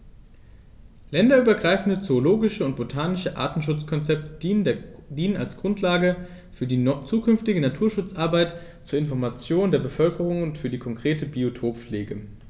Länderübergreifende zoologische und botanische Artenschutzkonzepte dienen als Grundlage für die zukünftige Naturschutzarbeit, zur Information der Bevölkerung und für die konkrete Biotoppflege.